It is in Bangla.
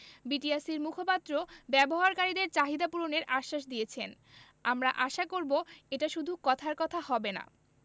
বিটিআরসির মুখপাত্র ব্যবহারকারীদের চাহিদা পূরণের আশ্বাস দিয়েছেন আমরা আশা করব এটা শুধু কথার কথা হবে না